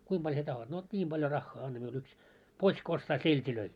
kuinka paljon sinä tahdot no niin paljon rahaa anna minulle yksi potska ostaa seltejä